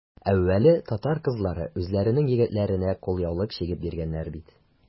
Әүвәле татар кызлары үзләренең егетләренә кулъяулык чигеп биргәннәр бит.